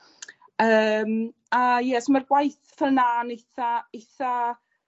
Yym a ie so ma'r gwaith ffel 'na'n eitha eitha